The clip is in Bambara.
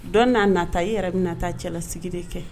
Don'a nata i yɛrɛ bɛna taa cɛlasigi de kɛ